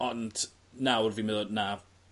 Ond nawr fi'n meddwl na.